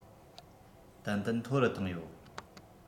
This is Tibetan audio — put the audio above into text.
ཏན ཏན མཐོ རུ བཏང ཡོད